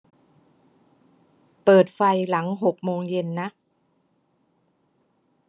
เปิดไฟหลังหกโมงเย็นนะ